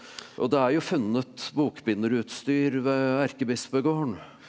og det er jo funnet bokbinderutstyr ved erkebispegården.